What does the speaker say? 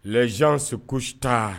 Les gens se couchent tard